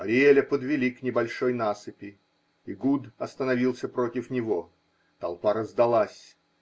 Ариэля подвели к небольшой насыпи. Эгуд остановился против него. Толпа раздалась